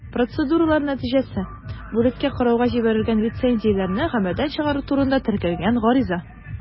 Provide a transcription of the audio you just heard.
Процедуралар нәтиҗәсе: бүлеккә карауга җибәрелгән лицензияләрне гамәлдән чыгару турында теркәлгән гариза.